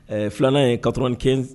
Ɛɛ filanan ye katoin kɛ